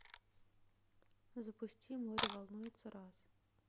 запусти море волнуется раз